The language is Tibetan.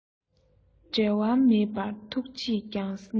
འབྲལ བ མེད པར ཐུགས རྗེས རྒྱང ནས གཟིགས